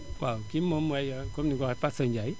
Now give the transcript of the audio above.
waaw kii moom mooy comme ni nga ko waxee Fatou Seye Ndiaye